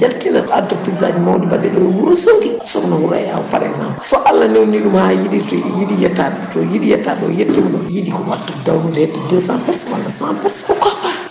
jaltina o adda * mawɗi mbaɗen e Wourossogui sokhna Houraye Aw par exemple so Allah newna niɗum ha yiiɗi so yiiɗi yettade to yiiɗi yettade ɗo yettima ɗon yiiɗi ko wattude dawnude deux cent pourcent walla cent pour cent pourquoi pas